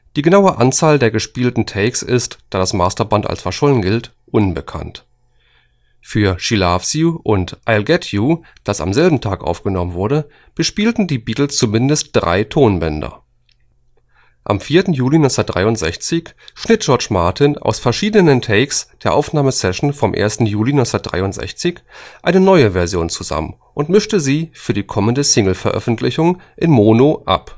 Die genaue Anzahl der gespielten Takes ist – da das Masterband als verschollen gilt – unbekannt. Für She Loves You und I’ ll Get You, das am selben Tage aufgenommen wurde, bespielten die Beatles zumindest drei Tonbänder. Am 4. Juli 1963 schnitt George Martin aus verschiedenen Takes der Aufnahmesession vom 1. Juli 1963 eine neue Version zusammen und mischte sie für die kommende Single-Veröffentlichung in Mono ab